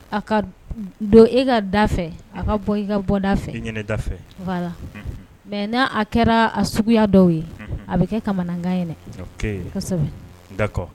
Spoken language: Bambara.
A ka don e ka da fɛ a ka bɔ i ka bɔ mɛ n'a a kɛra a suguya dɔw ye a bɛ kɛ kamanakan